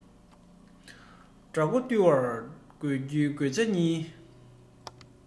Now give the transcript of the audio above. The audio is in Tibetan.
དགྲ མགོ འདུལ བར དགོས རྒྱུའི དགོས ཆ གཉིས